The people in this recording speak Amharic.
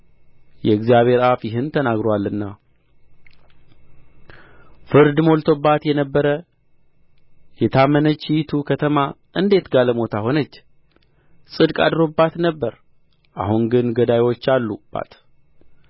የእግዚአብሔር አፍ ይህን ተናግሮአልና ፍርድ ሞልቶባት የነበረው የታመነችይቱ ከተማ እንዴት ጋለሞታ ሆነች ጽድቅ አድሮባት ነበር አሁን ግን ገዳዮች አሉባት